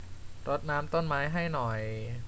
รดน้ำต้นไม้ให้หน่อย